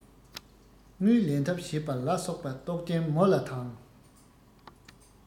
དངུལ ལེན ཐབས བྱས པ ལ སོགས པ རྟོག རྐྱེན མོ ལ དང